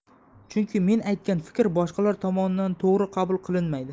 chunki men aytgan fikr boshqalar tomonidan to'g ri qabul qilinmaydi